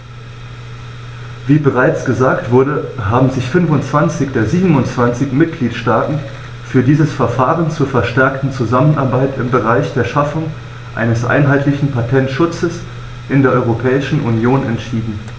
Wie bereits gesagt wurde, haben sich 25 der 27 Mitgliedstaaten für dieses Verfahren zur verstärkten Zusammenarbeit im Bereich der Schaffung eines einheitlichen Patentschutzes in der Europäischen Union entschieden.